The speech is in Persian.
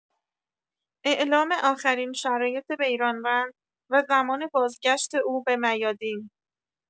اعلام آخرین شرایط بیرانوند و زمان بازگشت او به میادین